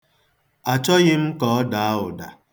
Achọghị m ka ọ daa ụda.